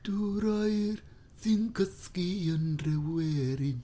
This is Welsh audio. Dŵr oer sy'n cysgu yn Nhryweryn.